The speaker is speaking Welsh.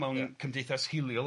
mewn cymdeithas hiliol... Ia...